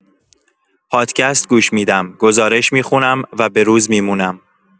پادکست گوش می‌دم، گزارش می‌خونم و به‌روز می‌مونم.